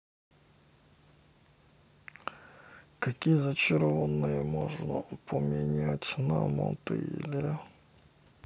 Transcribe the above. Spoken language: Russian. какие зачарования можно поменять на мотыге minecraft